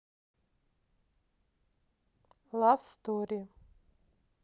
лав стори